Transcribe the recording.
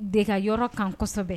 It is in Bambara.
Dɛga yɔrɔ kan kɔsɔbɛ